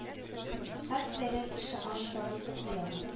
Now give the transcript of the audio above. Һәр теләгән кеше аны табып укый ала